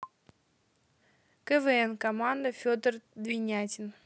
квн команда федор двинятин